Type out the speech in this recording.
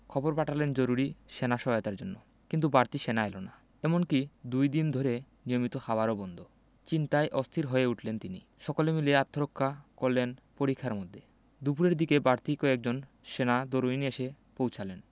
খবর পাঠালেন জরুরি সেনা সহায়তার জন্য কিন্তু বাড়তি সেনা এলো না এমনকি দুই দিন ধরে নিয়মিত খাবারও বন্ধ চিন্তায় অস্থির হয়ে উঠলেন তিনি সকলে মিলে আত্মরক্ষা করলেন পরিখার মধ্যে দুপুরের দিকে বাড়তি কয়েকজন সেনা দরুইনে এসে পৌঁছালেন